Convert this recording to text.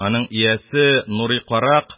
Аның иясе, Нурый карак,